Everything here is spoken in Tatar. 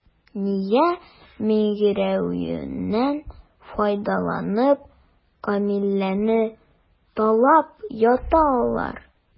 Нигә миңгерәюеннән файдаланып, Камиләне талап ята алар?